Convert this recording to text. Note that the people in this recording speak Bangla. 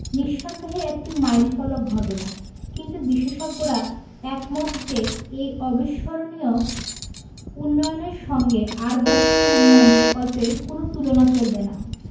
নিঃসন্দেহে একটি মাইলফলক ঘটনা কিন্তু বিশেষজ্ঞরা একমত যে এই অবিস্মরণীয় উন্নয়নের সঙ্গে আর দশটি উন্নয়ন প্রকল্পের কোনো তুলনা চলবে না